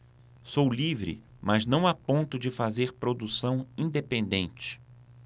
sou livre mas não a ponto de fazer produção independente